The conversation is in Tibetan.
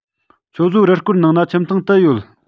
ཁྱོད བཟོའི རུ སྐོར གི ནང ན ཁྱིམ ཚང དུ ཡོད